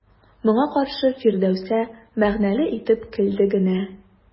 Моңа каршы Фирдәүсә мәгънәле итеп көлде генә.